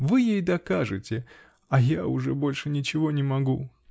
Вы ей докажете, а я уже больше ничего не могу!